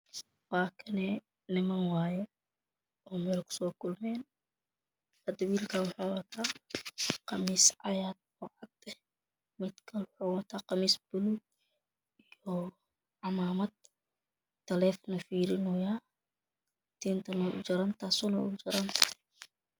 Wakanhe niminwaye melkasokulmen hada wilkanwuxuwata qamis cagar ocadeh midkalanawuxu wata qamisbalug iyo camamad talefon firinoya tintana wey ujarantahay sunny ugujarantahay